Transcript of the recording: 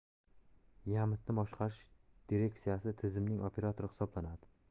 yammtni boshqarish direksiyasi tizimning operatori hisoblanadi